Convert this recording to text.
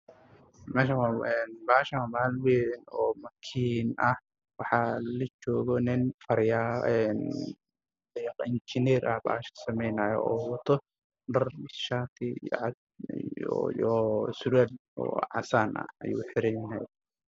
Meeshan waa meel makiinad ah oo weyni badan waxaa joogo nin faryaamaha oo samaynayo waxa uuna waa taas soo gudbid ah iyo shacabka caddaysi lacagaha isku jira